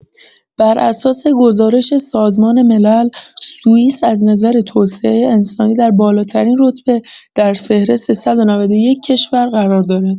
بر اساس گزارش سازمان ملل سوییس از نظر توسعه انسانی در بالاترین رتبه در فهرست ۱۹۱ کشور قرار دارد.